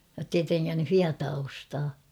jotta ei trengännyt hietaa ostaa